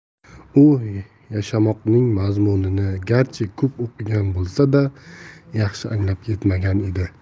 u yashamoqning mazmunini garchi ko'p o'qigan bo'lsa da yaxshi anglab yetmagan edi